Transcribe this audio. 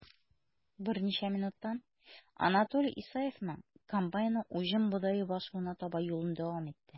Берничә минуттан Анатолий Исаевның комбайны уҗым бодае басуына таба юлын дәвам итте.